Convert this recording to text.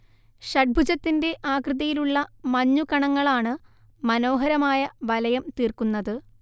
ഷഡ്ഭുജത്തിന്റെ ആകൃതിയിലുള്ള മഞ്ഞുകണങ്ങളാണ് മനോഹരമായ വലയം തീർക്കുന്നത്